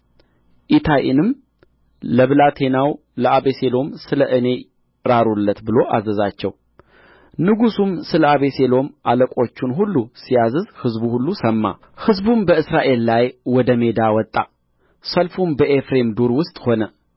ኢታይንም ለብላቴናው ለአቤሴሎም ስለ እኔ ራሩለት ብሎ አዘዛቸው ንጉሡም ስለአቤሴሎም አለቆቹን ሁሉ ሲያዝዝ ሕዝቡ ሁሉ ሰማ ሕዝቡም በእስራኤል ላይ ወደ ሜዳ ወጣ ሰልፉም በኤፍሬም ሁሉ ውስጥ ሆነ